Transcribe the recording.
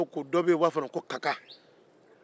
dɔ bɛ yen u b'a fo o ma ko kaka